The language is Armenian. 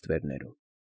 Ստվերներում։